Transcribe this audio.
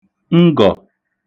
ngọ̀